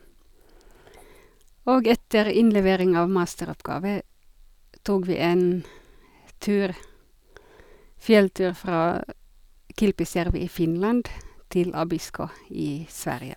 Og etter innlevering av masteroppgave, tok vi en tur fjelltur fra Kilpisjärvi i Finland til Abisko i Sverige.